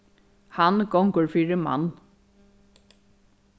hann gongur fyri mann